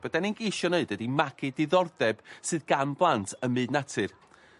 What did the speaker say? ...be' 'dan ni'n gisho ydi magu diddordeb sydd gan blant ym myd natur.